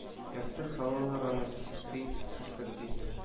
Ястык салалар аны пыскый фәсхетдин